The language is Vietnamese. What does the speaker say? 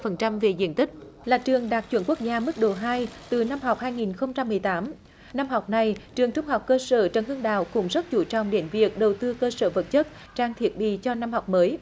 phần trăm về diện tích là trường đạt chuẩn quốc gia mức độ hai từ năm học hai nghìn không trăm mười tám năm học này trường trung học cơ sở trần hưng đạo cũng rất chú trọng đến việc đầu tư cơ sở vật chất trang thiết bị cho năm học mới